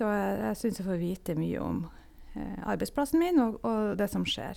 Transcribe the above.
Og æ jeg syns jeg får vite mye om arbeidsplassen min og og det som skjer.